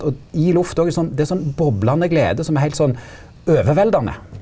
og i lufta og sånn det er sånn boblande glede som er heilt sånn overveldande.